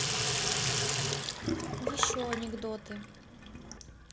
еще анекдоты